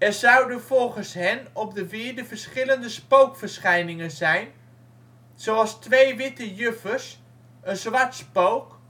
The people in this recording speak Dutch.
zouden volgens hen op de wierde verschillende spookverschijningen zijn, zoals twee witte juffers, een zwart spook